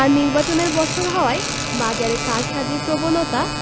আর নির্বাচনের বছর হওয়ায় বাজারে কারসাজির প্রবণতা